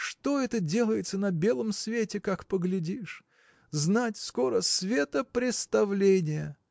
Что это делается на белом свете, как поглядишь! Знать, скоро света преставление!.